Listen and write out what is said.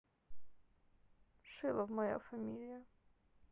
шилов моя фамилия